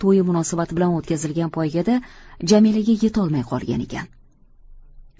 to'yi munosabati bilan o'tkazilgan poygada jamilaga yetolmay qolgan ekan